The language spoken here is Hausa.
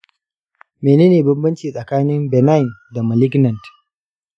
menene bambanci tsakanin benign da malignant?